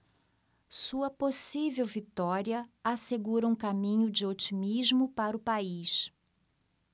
sua possível vitória assegura um caminho de otimismo para o país